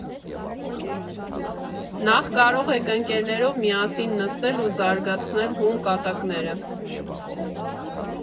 Նախ, կարող եք ընկերներով միասին նստել ու զարգացնել հում կատակները։